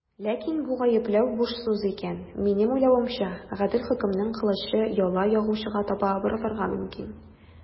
Ләкин бу гаепләү буш сүз икән, минем уйлавымча, гадел хөкемнең кылычы яла ягучыга таба борылырга мөмкин.